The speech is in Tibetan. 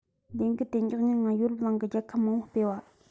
ལས འགུལ དེ མགྱོགས མྱུར ངང ཡོ རོབ གླིང གི རྒྱལ ཁབ མང པོར སྤེལ བ